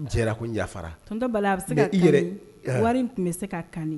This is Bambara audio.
Jɛra ko yafafara bali a bɛ se ka yɛrɛ wari tun bɛ se ka kan